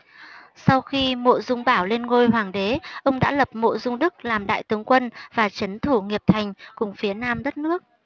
sau khi mộ dung bảo lên ngôi hoàng đế ông đã lập mộ dung đức làm đại tướng quân và trấn thủ nghiệp thành cùng phía nam đất nước